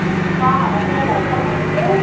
con là phải nghe lời cha mẹ chứ